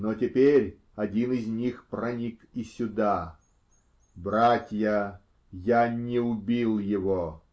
Но теперь один из них проник и сюда. Братья, я не убил его.